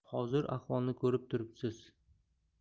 hozir ahvolni ko'rib turibsiz